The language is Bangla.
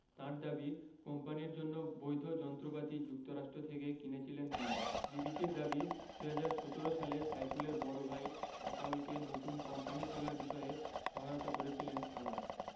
তাঁর দাবি কোম্পানির জন্য বৈধ যন্ত্রপাতি যুক্তরাষ্ট্র থেকে কিনেছিলেন তিনি বিবিসির দাবি ২০১৭ সালে সাইফুলের বড় ভাই আতাউলকে নতুন কোম্পানি খোলার বিষয়ে সহায়তা করেছিলেন সামাদ